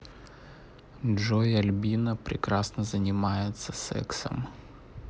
джой альбина прекрасно занимается сексом